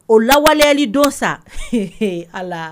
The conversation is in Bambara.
O lawaleyali dɔ sa a